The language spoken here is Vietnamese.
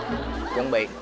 chuẩn bị